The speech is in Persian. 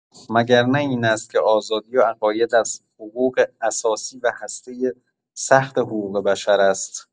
مگر نه این است که آزادی و عقاید از حقوق اساسی و هسته سخت حقوق‌بشر است؟